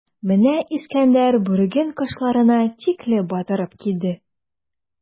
Менә Искәндәр бүреген кашларына тикле батырып киде.